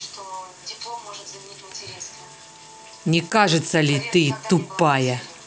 не кажется ли ты тупая